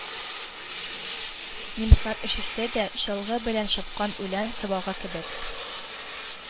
Немецлар өчесе дә, чалгы белән чапкан үлән сабагы кебек,